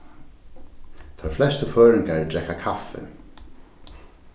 teir flestu føroyingar drekka kaffi